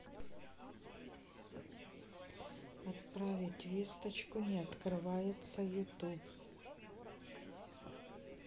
отправить весточку не открывается ютуб